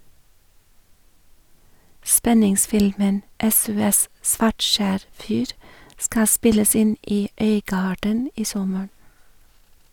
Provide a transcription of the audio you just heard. Spenningsfilmen "SOS - Svartskjær fyr" skal spilles inn i Øygarden i sommer.